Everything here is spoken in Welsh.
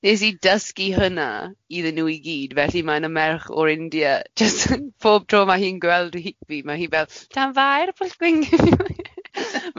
Wnes i dysgu hwnna iddyn nhw i gyd, felly mae na merch o'r India, jyst yn pob tro mae hi'n gweld hi fi, ma' hi fel tanfairpwllgwyngyll!